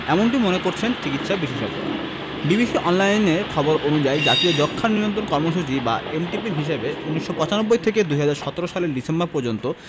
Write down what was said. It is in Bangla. এমনটিই মনে করছেন চিকিৎসাবিশেষজ্ঞরা বিবিসি অনলাইনের খবর অনুযায়ী জাতীয় যক্ষ্মা নিয়ন্ত্রণ কর্মসূচি বা এনটিপির হিসেবে ১৯৯৫ থেকে ২০১৭ সালের ডিসেম্বর পর্যন্ত